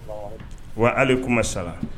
Wa ale kuma sa